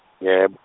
yeb-.